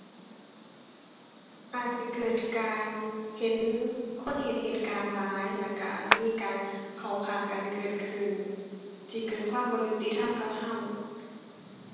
อาจสิเกิดการเห็น คนเห็นเหตุการณ์หลายแล้วก็อาจสิมีการเข้าข้างกันเกิดขึ้น สิเกิดความบ่ยุติธรรมกับก็